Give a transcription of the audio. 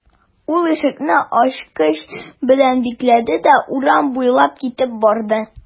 Ул ишекне ачкыч белән бикләде дә урам буйлап китеп барды.